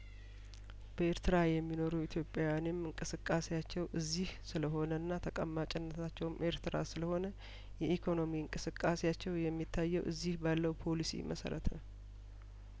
በኤርትራ የሚኖሩ ኢትዮጵያውያንም እንቅስቃሴዎቻቸው እዚህ ስለሆነና ተቀማጭ ነታቸውም ኤርትራ ስለሆነ የኢኮኖሚ እንቅስቃሴዎቻቸው የሚታየው እዚህ ባለው ፖሊሲ መሰረት ነው